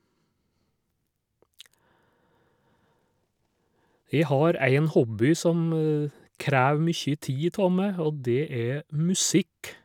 Jeg har en hobby som krever mye tid ta meg, og det er musikk.